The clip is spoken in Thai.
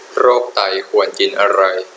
โรคไตควรกินอะไร